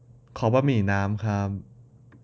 ขอบะหมี่น้ำครับ